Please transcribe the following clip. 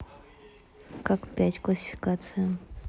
как пять классификация